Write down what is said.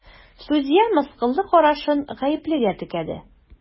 Судья мыскыллы карашын гаеплегә текәде.